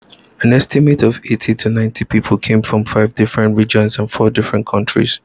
An estimated 80 to 90 people came from 5 different regions and 4 different countries.